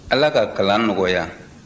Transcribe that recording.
ala ka kalan nɔgɔya